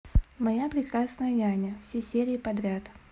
моя прекрасная няня все серии подряд